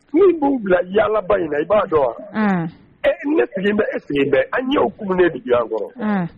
Min b'u bila yaalaba in na i b'a dɔn wa annn ee ne sigin bɛ e sigin bɛ an ɲɛw kumunen dɔ ɲɔwan kɔrɔ annn